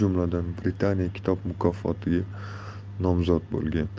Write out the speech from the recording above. jumladan britaniya kitob mukofotiga nomzod bo'lgan